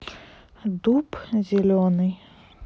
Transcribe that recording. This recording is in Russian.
дуб зеленый